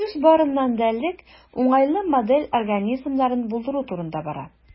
Сүз, барыннан да элек, уңайлы модель организмнарын булдыру турында бара.